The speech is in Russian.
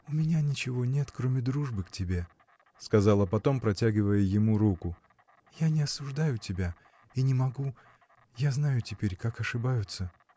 — У меня ничего нет, кроме дружбы к тебе, — сказала потом, протягивая ему руку, — я не осуждаю тебя — и не могу: я знаю теперь, как ошибаются.